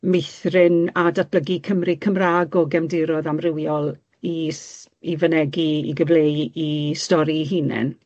meithrin a datblygu Cymry Cymra'g o gefndiroedd amrywiol i s- i fynegi i gyfleu 'u stori eu hunen.